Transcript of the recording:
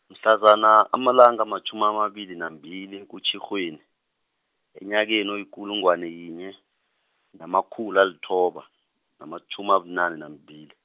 mahlazana amalanga amatjhumi amabili nambili kuTjhirhweni, enyakeni oyikulungwane yinye, namakhulu alithoba, namatjhumi abunane nambili.